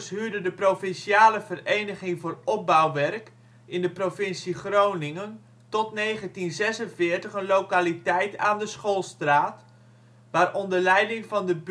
huurde de provinciale vereniging voor opbouwwerk in de provincie Groningen tot 1946 een lokaliteit aan de Schoolstraat, waar onder leiding van de buurthuisleidster